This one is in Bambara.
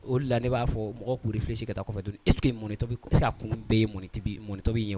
O de la ne b'a fɔ mɔgɔw k'u réfléchis ka taa kɔfɛ dɔɔni est ce que mɔni tobi k est ce que a kun bee ye mɔni tibi mɔni tobi in ye wa